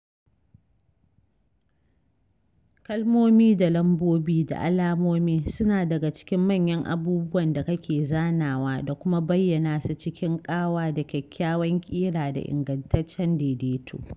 Kalmomi da lambobi da alamomi suna daga cikin manyan abubuwan da kake zanawa da kuma bayyana su cikin ƙawa da kyakkyawan ƙira da ingantaccen daidaito.